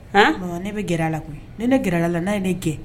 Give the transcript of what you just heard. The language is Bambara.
Ne bɛ g a la kun ne ne g a la n'a ye ne gɛn